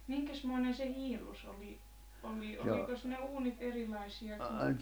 minkäsmoinen se hiilus oli oli olikos ne uunit erilaisia kuin